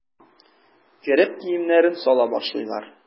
Кереп киемнәрен сала башлыйлар.